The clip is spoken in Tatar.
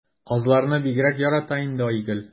Казларны бигрәк ярата инде Айгөл.